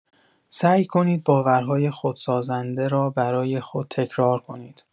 سعی کنید باورهای خودسازنده را برای خود تکرار کنید.